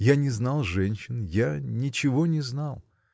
Я не знал женщин, я ничего не знал.